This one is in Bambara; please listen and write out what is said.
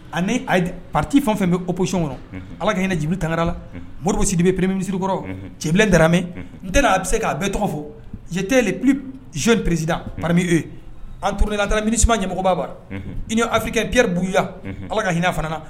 Ani pati fɛn fɛn bɛ opsi kɔnɔ ala ka hinɛinajibi tangara la mori bɛ sidi bɛ peresiririkɔrɔ cɛbilen daramɛ nt a bɛ se k'a bɛɛ tɔgɔ fɔ jite zo peresidame an turla an taara minima ɲɛmɔgɔba bara i' afike gɛerebuguya ala ka hinɛina fana